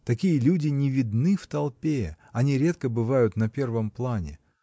Такие люди не видны в толпе, они редко бывают на первом плане.